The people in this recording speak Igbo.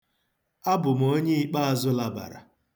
Abụ m onye ikpeazụ labara.